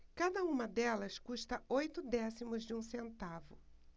cada uma delas custa oito décimos de um centavo